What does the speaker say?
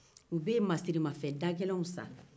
u bɛ masirimafɛndagɛlɛnw san